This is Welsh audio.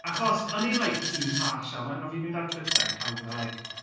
Achos o'n ni'n like tîm Tasha a wedyn o' fi'n mynd ar Twitter a oedd pawb fel like...